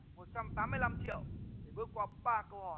một trăm tám mươi lăm triệu để bước qua ba câu hỏi